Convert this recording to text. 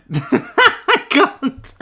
I can't!